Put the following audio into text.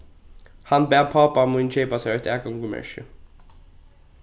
hann bað pápa mín keypa sær eitt atgongumerki